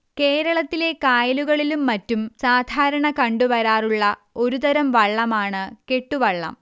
കേരളത്തിലെ കായലുകളിലും മറ്റും സാധാരണ കണ്ടുവരാറുള്ള ഒരു തരം വള്ളമാണ് കെട്ടുവള്ളം